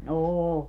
on